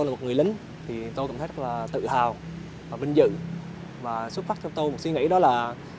một người lính thì tôi cảm thấy rất là tự hào và vinh dự và xuất phát trong tôi một suy nghĩ đó là